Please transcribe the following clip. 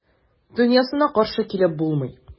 Дөньясына каршы килеп булмый.